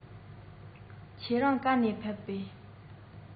ཁྱེད རང ག ནས ཕེབས པས